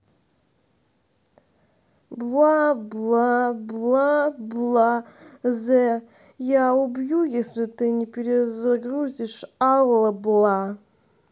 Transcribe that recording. бла бла бла бла the я убью если ты не перезагрузишь алла бла